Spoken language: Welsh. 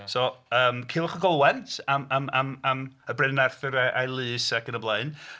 So yym Culhwch ac Olwen am... am... am... am y Brenin Arthur a'i lys ac yn y blaen.